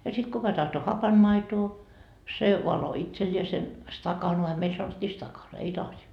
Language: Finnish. ja sitten kuka tahtoi hapanmaitoa se valoi itselleen stakanaan meillä sanottiin stakan ei lasi